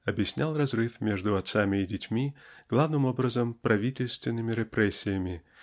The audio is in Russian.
объяснял разрыв между отцами и детьми главным образом правительственными репрессиями